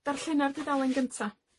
Darllena'r dudalen gynta.